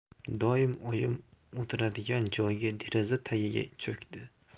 doim oyim o'tiradigan joyga deraza tagiga cho'kdi